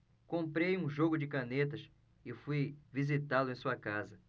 comprei um jogo de canetas e fui visitá-lo em sua casa